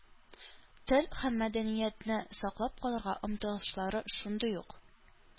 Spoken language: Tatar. Тел һәм мәдәниятне саклап калырга омтылышлары шундый ук.